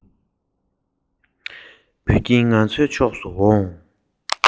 གཡོན མར ནག དྲེག ཆགས པའི